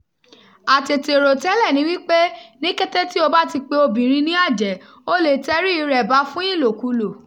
Àtètèròtẹ́lẹ̀ ni wípé ní kété tí o bá ti pe obìnrin ní àjẹ́, o lè tẹríi rẹ̀ ba fún ìlòkulò.